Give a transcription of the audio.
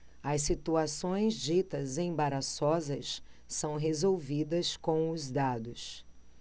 as situações ditas embaraçosas são resolvidas com os dados